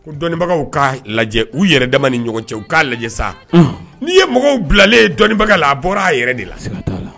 Ko dɔnnibagaw ka lajɛ u yɛrɛ dama ni ɲɔgɔn cɛ u kaa lajɛ sa n'i ye mɔgɔw bilalen dɔnnibaga la a bɔra a yɛrɛ de la